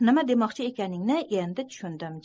nima demoqchi ekanligingni endi tushundim